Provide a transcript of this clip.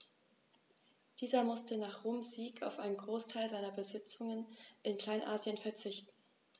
Dieser musste nach Roms Sieg auf einen Großteil seiner Besitzungen in Kleinasien verzichten.